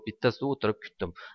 bittasida o'tirib kutdim